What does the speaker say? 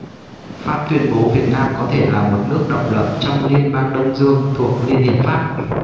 pháp tuyên bố việt nam có thể là một nước độc lập trong liên bang đông dương thuộc liên hiệp pháp